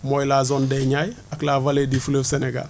mooy la zone des Niayes ak la Vallée du Fleuve Sénégal